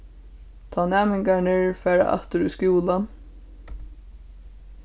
tá næmingarnir fara aftur í skúla